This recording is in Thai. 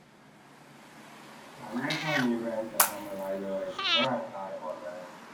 ฉันไม่ค่อยมีแรงจะทำอะไรเลยร่างกายอ่อนแรง